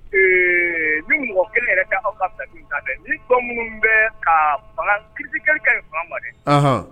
Ee ni mɔgɔ kelen yɛrɛ' aw ka saku ni bamananw minnu bɛ ka fanga ki kari ni fan ma